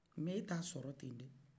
mɛ e t'a sɔrɔ ten dɛ